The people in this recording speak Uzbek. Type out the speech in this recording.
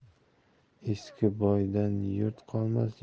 eski boydan yurt qolmas